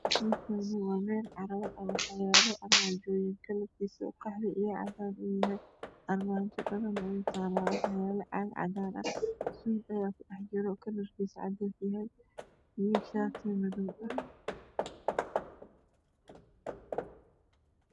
Waaaaaa duni bilaa Dhar ah m.a istaqfullah